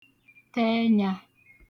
tə̣ ẹyā